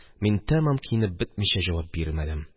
Мин тәмам киенеп бетмичә җавап бирмәдем